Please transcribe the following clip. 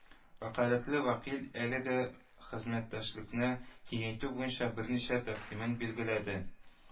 Вәкаләтле вәкил әлеге хезмәттәшлекне киңәйтү буенча берничә тәкъдимен билгеләде